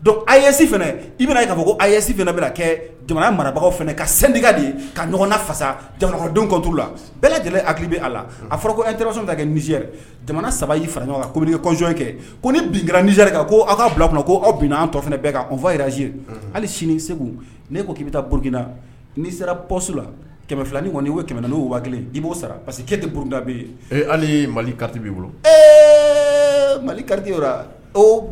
Don a yesi fana i bɛna ga ko a ayi yesi fana bɛ kɛ jamana marabagaw fana ka sɛnɛdga de ye ka ɲɔgɔnna fasa jamanadenw kɔtu la bɛɛ lajɛlen hakiliki bɛ a la a fɔra yanso ta kɛ jamana saba i fara ɲɔgɔn kan ko kɛ kɔsɔn kɛ ko ni bin kɛrari kan ko aw ka' bila kɔnɔ ko aw bin'an tɔ fana bɛɛ ka nfazse hali sini segu ne ko k'i bɛ taa burukina ni sera psso la kɛmɛ filain kɔni bɛ kɛmɛ n'u waa kelen diboo sara pa parce queke tɛ burudabi hali mali kati' bolo ee mali kariti